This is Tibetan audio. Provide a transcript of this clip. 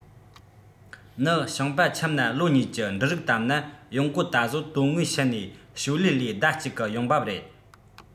ནི ཞིང པ ཁྱིམ ན ལོ གཉིས ཀྱི འབྲུ རིགས བཏབ ན ཡོང སྒོ ད གཟོད དོན དངོས ཕྱི ནས ཞོར ལས ལས ཟླ གཅིག གི ཡོང འབབ རེད